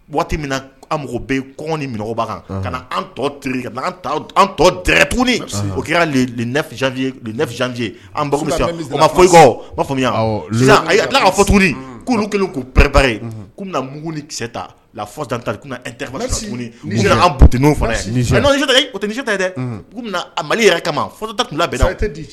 Waati minba kan ka tɔ tɔɛrɛ tugun o'a a fɔt'olu kɛlen mugug ni kita la tarit ta dɛ a mali yɛrɛ kama tun